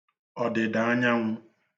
ọ̀dị̀dàanyanwụ̄